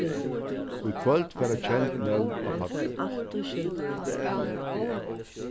í kvøld fara kend nøvn á pallin